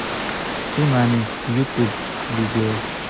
цунами ютуб видео